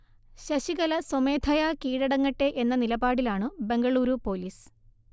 ശശികല സ്വമേധയാ കീഴടങ്ങട്ടെ എന്ന നിലപാടിലാണു ബംഗളൂരു പോലീസ്